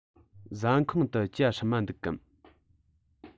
ཟ ཁང དུ ཇ སྲུབས མ འདུག གམ